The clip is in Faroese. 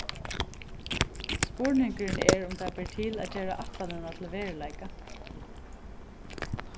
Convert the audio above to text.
spurningurin er um tað ber til at gera ætlanina til veruleika